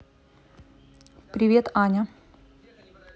привет аня